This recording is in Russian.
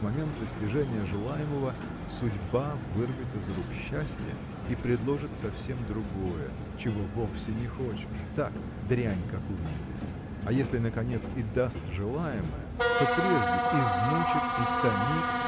в момент достижения желаемого судьба вырвет из рук счастье и предложит совсем другое чего вовсе не хочешь – так дрянь какую-нибудь а если наконец и даст желаемое то прежде измучит истомит